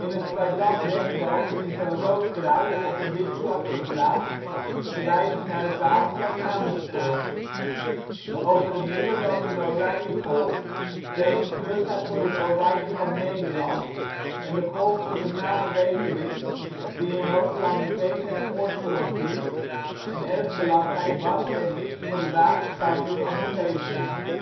het kwadrant rechtsboven is een rood kruis op een wit vlak geplaatst verwijzend naar het wapen van Amersfoort. Over het midden loopt een oranje golf, deze kleur staat voor het oranje van Nederland en de golf voor de Malewetering die in Hooglanderveen zijn oorsprong vindt en erg belangrijk was en is voor de waterstand in de omgeving